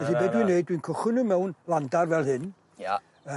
Felly be' dwi'n neud dwi'n cychwyn nhw mewn landar fel hyn. Ie.